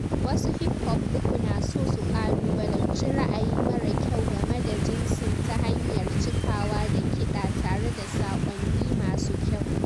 Wasu hip hop uku na so su kalubalanci ra'ayi mara kyau game da jinsin ta hanyar cikawa da kiɗa tare da sakonni masu kyau.